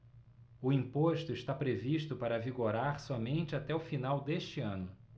o imposto está previsto para vigorar somente até o final deste ano